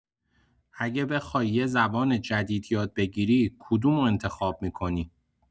اگه بخوای یه زبان جدید یاد بگیری، کدومو انتخاب می‌کنی؟